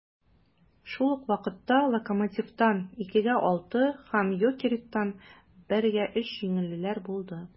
Шул ук вакытта "Локомотив"тан (2:6) һәм "Йокерит"тан (1:3) җиңелүләр булды.